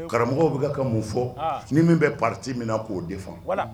Karamɔgɔw bɛ ka ka mun fɔ ni min bɛ pati min na k'o de faga